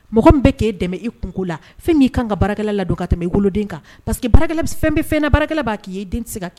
Mɔgɔ mi bɛ k'i dɛmɛ i kunko la fɛm'i kan ka barakɛla la don ka tɛmɛ i woloden kan paseke baarakɛla fɛn bɛ fɛn na barakɛla b'a k'iye i den tɛ se